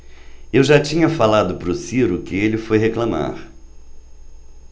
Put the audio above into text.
eu já tinha falado pro ciro que ele foi reclamar